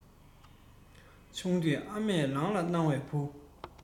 ཆུང དུས ཨ མས ལང ལ བཏང བའི བུ